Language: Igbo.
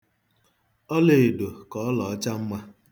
Ọlaedo ka ọlọọcha mma.